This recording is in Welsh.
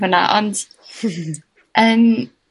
fyna ond... ...yn...